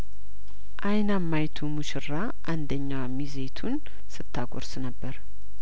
አይና ማ ዪቱ ሙሽራ አንደኛ ሚዜ ዪቱን ስታ ጐር ስነበር